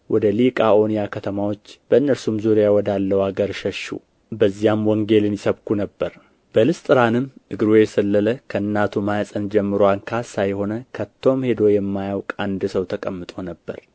ወደ ሊቃኦንያ ከተማዎች በእነርሱም ዙሪያ ወዳለው አገር ሸሹ በዚያም ወንጌልን ይሰብኩ ነበር በልስጥራንም እግሩ የሰለለ ከእናቱም ማኅፀን ጀምሮ አንካሳ የሆነ ከቶም ሄዶ የማያውቅ አንድ ሰው ተቀምጦ ነበር